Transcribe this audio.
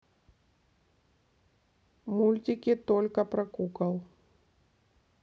мультики только про кукол